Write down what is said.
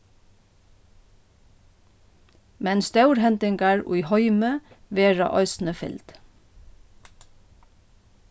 men stórhendingar í heimi verða eisini fylgd